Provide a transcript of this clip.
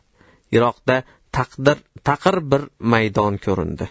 yiroqda taqir bir maydon ko'rindi